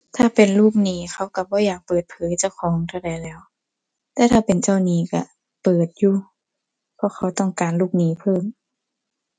ถ้าเป็นลูกหนี้เขาก็บ่อยากเปิดเผยเจ้าของเท่าใดแหล้ว แต่ถ้าเป็นเจ้าหนี้ก็เปิดอยู่ เพราะเขาต้องการลูกหนี้เพิ่ม